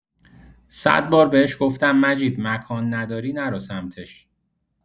صدبار بهش گفتم مجید مکان نداری نرو سمتش.